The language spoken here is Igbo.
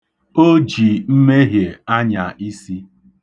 O ji mmehie anya isi.